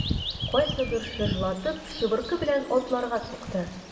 Кайсыдыр чыжлатып чыбыркы белән атларга сукты.